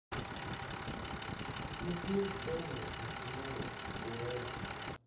смотреть самое смешное виртуальное